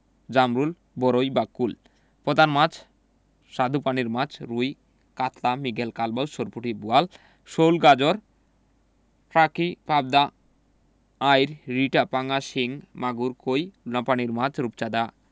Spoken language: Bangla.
জামরুল বরই বা কুল প্রধান মাছঃ স্বাদুপানির মাছ রুই কাতল মৃগেল কালবাউস সরপুঁটি বোয়াল শোল গজার টাকি পাবদা আইড় রিঠা পাঙ্গাস শিং মাগুর কৈ লোনাপানির মাছ রূপচাঁদা